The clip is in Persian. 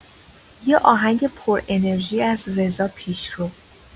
یه آهنگ پرانرژی از رضا پیشرو